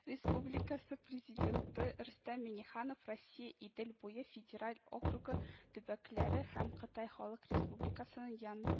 Республикасы Президенты Рөстәм Миңнеханов Россия Идел буе федераль округы төбәкләре һәм Кытай Халык Республикасының Ян